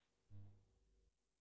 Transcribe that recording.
что говорить то